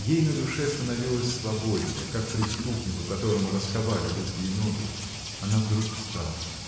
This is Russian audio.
Ей на душе становилось свободнее, как преступнику, которому расковали руки и ноги. Она вдруг встала.